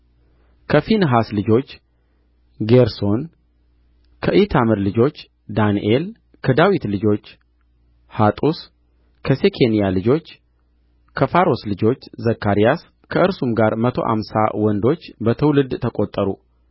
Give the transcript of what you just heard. ከፊንሐስ ልጆች ጌርሶን ከኢታምር ልጆች ዳንኤል ከዳዊት ልጆች ሐጡስ ከሴኬንያ ልጆች ከፋሮስ ልጆቾ ዘካርያስ ከእርሱም ጋር መቶ አምሳ ወንዶች በትውልድ ተቈጠሩ